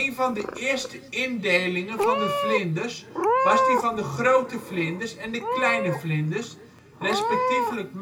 van de eerste indelingen van de vlinders was die van de ' grote ' vlinders en de ' kleine ' vlinders, respectievelijk